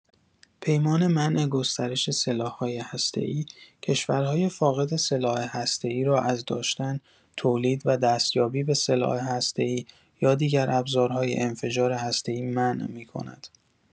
پیمان منع گسترش سلاح‌های هسته‌ای، کشورهای فاقد سلاح هسته‌ای را از داشتن، تولید و دستیابی به سلاح هسته‌ای یا دیگر ابزارهای انفجار هسته‌ای منع می‌کند.